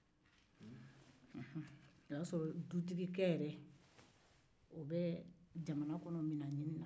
o y'a sɔrɔ dutigikɛ yɛrɛ bɛ jamana kɔnɔ minɛnɲini na